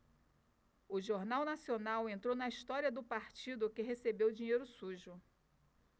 o jornal nacional entrou na história do partido que recebeu dinheiro sujo